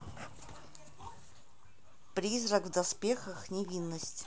призрак в доспехах невинность